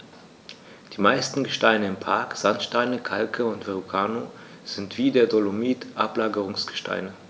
Die meisten Gesteine im Park – Sandsteine, Kalke und Verrucano – sind wie der Dolomit Ablagerungsgesteine.